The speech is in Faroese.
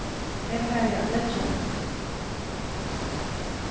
eg fari at leggja meg